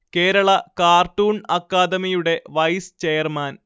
Kerala cartoon അക്കാദമിയുടെ vice chairman